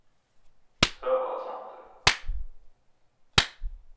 søga og samtíð